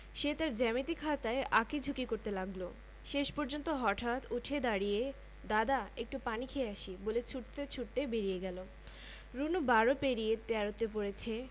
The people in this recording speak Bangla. রাবেয়া বললো আমি আবার বলবো বেশ কি হয় বললে আমি কাতর গলায় বললাম সে ভারী লজ্জা রাবেয়া এটা খুব একটা লজ্জার কথা তবে যে ও আমাকে বললো কে